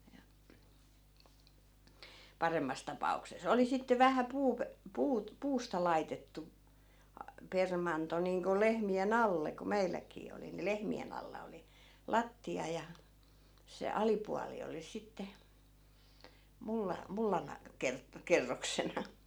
ja paremmassa tapauksessa oli sitten vähän -- puusta laitettu - permanto niin kuin lehmien alle kun meilläkin oli niin lehmien alla oli lattia ja se alipuoli oli sitten - mullan - kerroksena